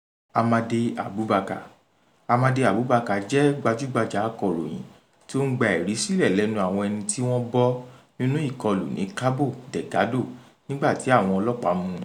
Amade Abubacar Amade Abubacar jẹ́ gbajúgbajà akọ̀ròyìn tí ó ń gba ẹ̀rí sílẹ̀ lẹ́nu àwọn ẹni tí wọ́n bọ́ nínú ìkọlù ní Cabo Delgado nígbà tí àwọn ọlọ́pàá mú un.